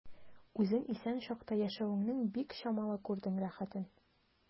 Үзең исән чакта яшәвеңнең бик чамалы күрдең рәхәтен.